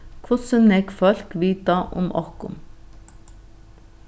hvussu nógv fólk vita um okkum